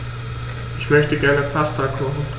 Ich möchte gerne Pasta kochen.